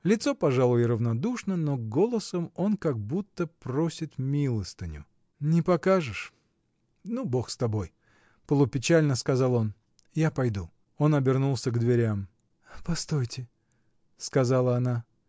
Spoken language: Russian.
Лицо, пожалуй, и равнодушно, но голосом он как будто просит милостыню. — Не покажешь? Ну Бог с тобой! — полупечально сказал он. — Я пойду. Он обернулся к дверям. — Постойте, — сказала она.